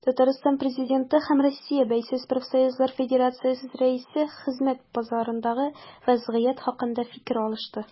Татарстан Президенты һәм Россия Бәйсез профсоюзлар федерациясе рәисе хезмәт базарындагы вәзгыять хакында фикер алышты.